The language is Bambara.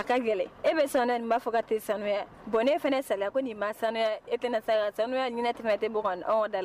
A ka gɛlɛn e bɛ sa nin b'a fɔ ka te sanuya bɔn ne fana sariya ko nin masan e tɛna sa sanuya tɛmɛ tɛ bɔ da